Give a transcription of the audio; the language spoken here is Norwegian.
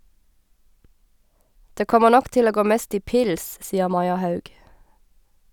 - Det kommer nok til å gå mest i pils, sier Maja Haug.